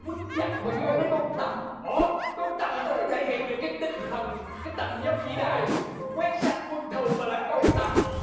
quýnh giặc mà đi đôi với con tầm con tầm làm sao nó thể hiện được cái tinh thần cái tầm vóc vĩ đại quét sạch quân thù mà là con tầm